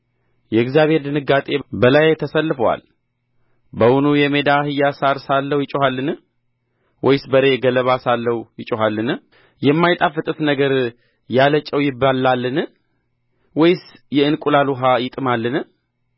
የእግዚአብሔር ድንጋጤ በላዬ ተሰልፎአል በውኑ የሜዳ አህያ ሣር ሳለው ይጮኻልን ወይስ በሬ ገለባ ሳለው ይጮኻልን የማይጣፍጥስ ነገር ያለ ጨው ይበላልን ወይስ የእንቁላል ውኃ ይጥማልን